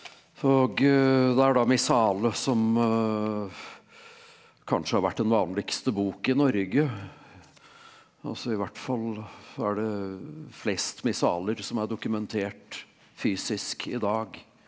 og det er da Missale som kanskje har vært den vanligste bok i Norge altså i hvert fall så er det flest missaler som er dokumentert fysisk i dag.